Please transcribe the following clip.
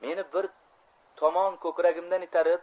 meni bir tomon ko'kragimdan itarib